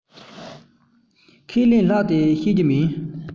ཁས ལེན སླ དེ བཤད རྒྱུ མིན